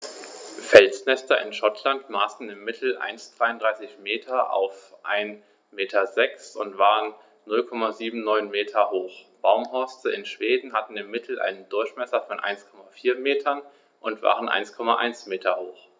Felsnester in Schottland maßen im Mittel 1,33 m x 1,06 m und waren 0,79 m hoch, Baumhorste in Schweden hatten im Mittel einen Durchmesser von 1,4 m und waren 1,1 m hoch.